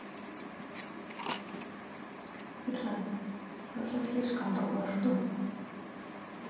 джой я уже слишком долго жду